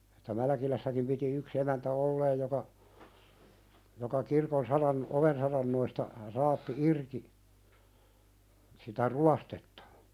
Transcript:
Että Mälkilässäkin piti yksi emäntä olleen joka joka kirkon - oven saranoista raapi irti sitä ruostetta